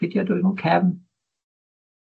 be 'di o, dwi me'wl Cefn?